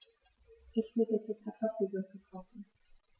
Ich will bitte Kartoffelsuppe kochen.